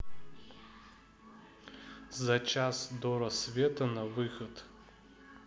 за час до рассвета на выход